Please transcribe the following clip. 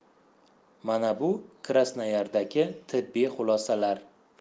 mana bu krasnoyardagi tibbiy xulosalar